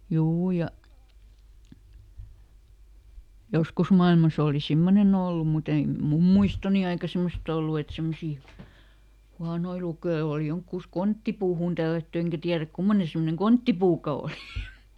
juu ja joskus maailmassa oli semmoinen ollut mutta ei minun muistoni aikana semmoista ollut että semmoisia huonoja lukijoita oli jonhokin konttipuuhun tällätty enkä tiedä kummoinen semmoinen konttipuukaan oli